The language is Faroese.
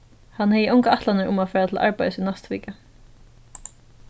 hann hevði ongar ætlanir um at fara til arbeiðis í næstu viku